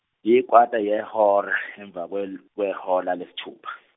yikwata yehora emva kwe- kwehola lesithupha.